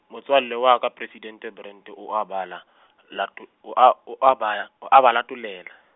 motswalle wa ka President Brand o a bala, la to, o a o a ba ya, o a ba latolela.